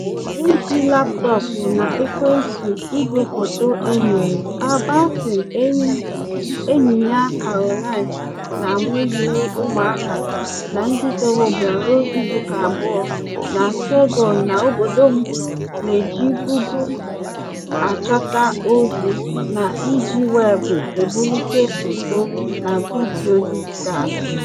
N'iji laptọọpụ na ekwentị igwefoto e nyere, Albertine, enyi ya Caroline na mụ zụrụ ụmụaka na ndị ntorobịa ruo izuụka abụọ na Ségou na obodo m n'iji Google achọta ozi, na iji Weebụ ebulite foto na vidiyo dijitaalụ.